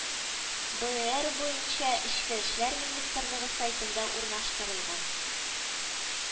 БээР буенча Эчке эшләр министрлыгы сайтында урнаштырылган